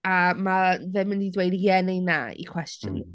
A mae fe'n mynd i dweud ie neu na i cwestiwn?